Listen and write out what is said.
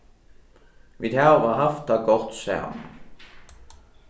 vit hava havt tað gott saman